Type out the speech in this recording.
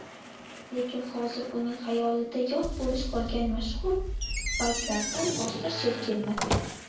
lekin hozir uning xayoliga yod bo'lib qolgan mashhur baytlardan boshqa sher kelmas edi